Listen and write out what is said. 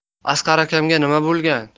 asqar akamga nima bo'lgan